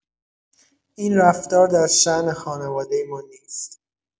این رفتار درشان خانوادۀ ما نیست.